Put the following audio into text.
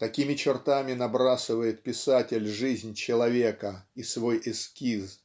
такими чертами набрасывает писатель жизнь человека и свой эскиз